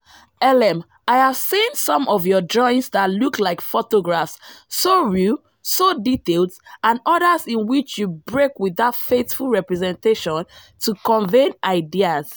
LM: I have seen some of your drawings that look like photographs, so real, so detailed … and others in which you break with that faithful representation to convey ideas.